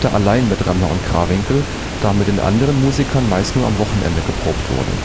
allein mit Remmler und Krawinkel, da mit den anderen Musikern meist nur am Wochenende geprobt wurde